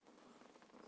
u ham menga